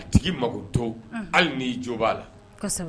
A tigi makotɔ hali ni i jo a la